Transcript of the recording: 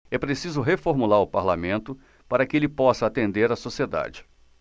é preciso reformular o parlamento para que ele possa atender a sociedade